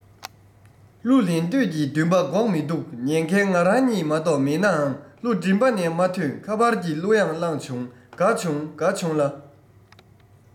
གླུ ལེན འདོད ཀྱི འདུན པ འགོག མི འདུག ཉན མཁན ང རང ཉིད མ གཏོགས མེད ནའང གླུ མགྲིན པ ནས མ ཐོན ཁ པར གྱིས གླུ བླངས བྱུང དགའ བྱུང དགའ བྱུང ལ